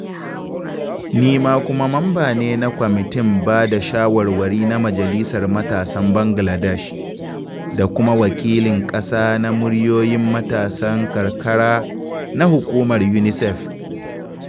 Ni ma kuma mamba ne na kwamitin ba da shawarwari na Majalisar Matasan Bangaladesh da kuma Wakilin Ƙasa na Muryoyin Matasan Karkara na Hukumar UNICEF.